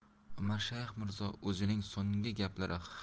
umarshayx mirzo o'zining so'nggi gaplari